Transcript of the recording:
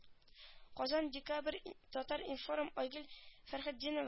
Казан декабрь татар-информ айгөл фәхретдинова